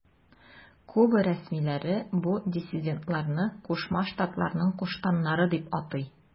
Куба рәсмиләре бу диссидентларны Кушма Штатларның куштаннары дип атый.